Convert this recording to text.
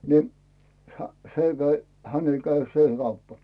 niin - se kävi hänelle kävi se kauppa